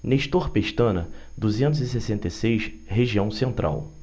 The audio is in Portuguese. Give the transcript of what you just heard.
nestor pestana duzentos e sessenta e seis região central